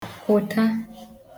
hụ̀ta